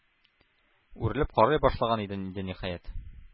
Үрелеп карый башлаган иде инде, ниһаять,